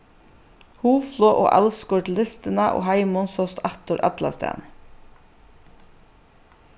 hugflog og alskur til listina og heimin sást aftur allastaðni